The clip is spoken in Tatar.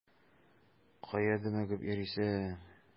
Кая дөмегеп йөрисең?